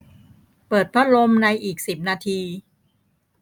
เปิดพัดลมในอีกสิบนาที